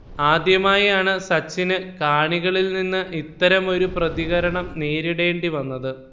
ആദ്യമായാണ് സച്ചിന് കാണികളിൽ നിന്ന് ഇത്തരമൊരു പ്രതികരണം നേരിടേണ്ടിവന്നത്